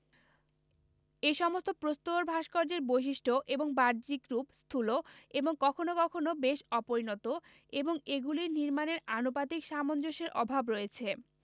এ সমস্ত প্রস্তর ভাস্কর্যের বৈশিষ্ট্য এবং বাহ্যিক রূপ স্থূল এবং কখনও কখনও বেশ অপরিণত এবং এগুলির নির্মাণের আনুপাতিক সামঞ্জস্যের অভাব রয়েছে